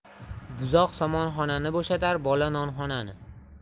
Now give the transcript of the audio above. buzoq somonxonani bo'shatar bola nonxonani